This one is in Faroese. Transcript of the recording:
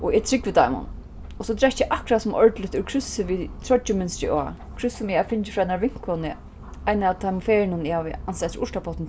og eg trúgvi teimum og so drekki eg akkurát sum ordiligt úr krússi við troyggjumynstri á krúss sum eg havi fingið frá einari vinkonu eina av teimum ferðunum eg havi ansað eftir urtapottunum